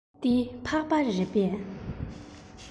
འདི ཕག པ རེད པས